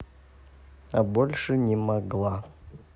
а больше не могла